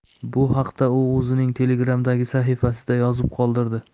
bu haqda u o'zining telegram'dagi sahifasida yozib qoldirdi